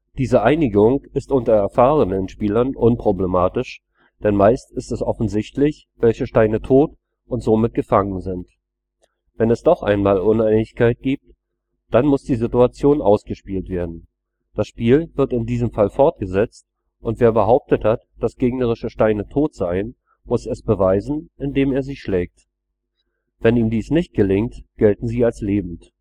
Diese Einigung ist unter erfahrenen Spielern unproblematisch, denn meistens ist es offensichtlich, welche Steine tot und somit gefangen sind. Wenn es doch einmal Uneinigkeit gibt, dann muss die Situation ausgespielt werden: Das Spiel wird in diesem Fall fortgesetzt, und wer behauptet hat, dass gegnerische Steine tot seien, muss es beweisen, indem er sie schlägt. Wenn ihm dies nicht gelingt, gelten sie als lebend